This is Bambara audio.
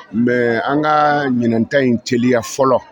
Mɛ an ka ɲinta in cɛya fɔlɔ